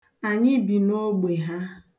Anyị bi n'ogbe ha.